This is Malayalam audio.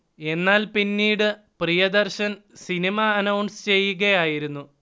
എന്നാൽ പിന്നീട് പ്രിയദർശൻ സിനിമ അനൗൺസ് ചെയ്കയായിരുന്നു